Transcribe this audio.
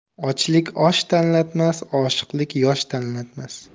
ochlik osh tanlatmas oshiqlik yosh tanlatmas